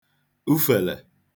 ufèlè